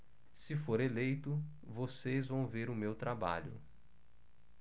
se for eleito vocês vão ver o meu trabalho